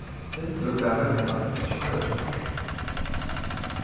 hildur bað høgna ikki koyra so hart